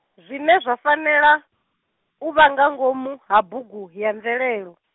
zwine zwa fanela, u vha nga ngomu, ha bugu, ya bvelela.